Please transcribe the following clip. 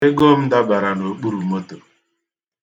Ego m dabara n'okpuru moto.